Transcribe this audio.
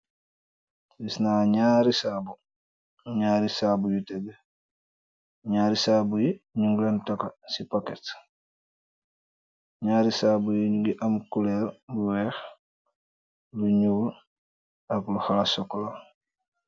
Gisna ñaari saabu ñaari saabu yu tegg ñaari saabu yi ñu ngu leen toka ci paket ñaari saabu yi nugi am kuleer bu weex lu ñuul ak lu xaa sokla.